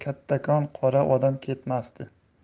kattakon qora odam ketmasdi